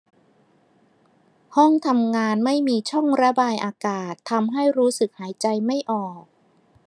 ห้องทำงานไม่มีช่องระบายอากาศทำให้รู้สึกหายใจไม่ออก